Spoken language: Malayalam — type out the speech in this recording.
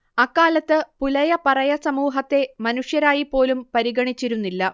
അക്കാലത്ത് പുലയപറയ സമൂഹത്തെ മനുഷ്യരായി പോലും പരിഗണിച്ചിരുന്നില്ല